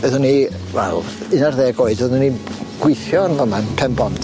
Oedden ni wel un ar ddeg oed oedden ni'n gweithio yn fama'n Penbont.